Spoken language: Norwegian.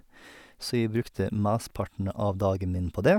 Så jeg brukte mesteparten av dagen min på dét.